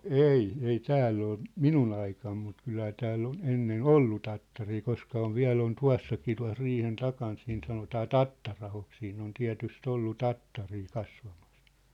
no ei ei täällä ole minun aikana mutta kyllähän täällä on ennen ollut tattaria koska on vielä on - tuossakin tuossa riihen takana siinä sanotaan Tattari-ahoksi siinä on tietysti ollut tattaria kasvamassa